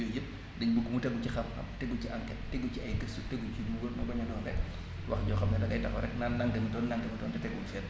yooyu yépp dañ bugg mu tegu ci xam-xam tegu ci enquête tegu ci ay gëstu tegu ci lu wóor mu bañ ñoo bett wax joo xam ne da ngay taxaw rekk naan nañ dem tool nañ dem tool te teguwul fenn